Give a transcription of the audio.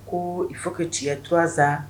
Ko il faut que tu